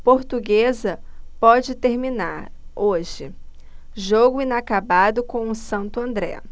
portuguesa pode terminar hoje jogo inacabado com o santo andré